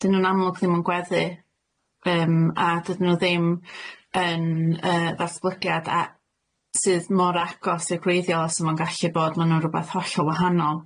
'dyn nw'n amlwg ddim yn gweddu yym a dydyn n'w ddim yn yy ddatblygiad a- sydd mor agos i'r gwreiddiol a 'sa fo'n gallu bod ma' n'w'n rwbath hollol wahanol.